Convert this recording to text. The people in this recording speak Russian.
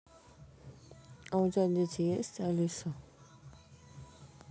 а у тебя дети есть алиса